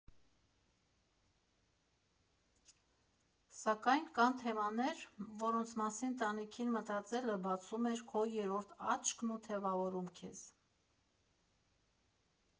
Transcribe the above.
Սակայն կան թեմաներ, որոնց մասին տանիքին մտածելը բացում է քո «երրորդ աչքն» ու թևավորում քեզ։